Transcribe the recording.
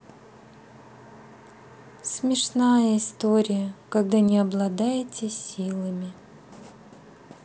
смешная история когда не обладаете силами